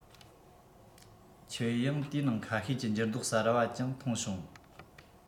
ཁྱེད ཡང དེའི ནང ཁ ཤས ཀྱི འགྱུར ལྡོག གསར པ ཀྱང མཐོང བྱུང